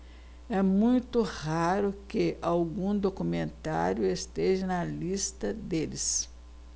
é muito raro que algum documentário esteja na lista deles